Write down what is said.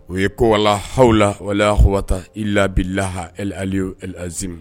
U ye kowa ha la wala hbata i labi laha ali zime